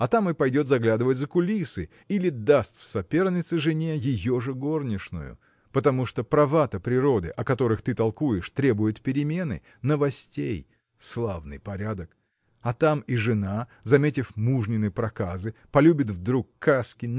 а там и пойдет заглядывать за кулисы или даст в соперницы жене ее же горничную потому что права-то природы о которых ты толкуешь требуют перемены новостей – славный порядок! а там и жена заметив мужнины проказы полюбит вдруг каски